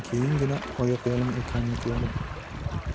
keyingina oyoq yalang ekanini ko'rdim